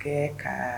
Kɛɛ kaa